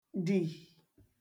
-dì